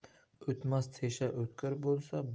o'tmas tesha o'tkir